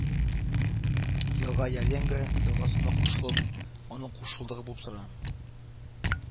Елга Яренга елгасына кушылып, аның кушылдыгы булып тора